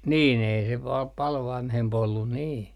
niin ei se paljon paljon vanhempi ollut niin